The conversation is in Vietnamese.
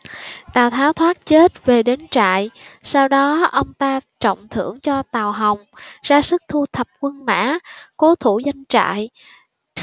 tào tháo thoát chết về đến trại sau đó ông ta trọng thưởng cho tào hồng ra sức thu thập quân mã cố thủ doanh trại